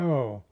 joo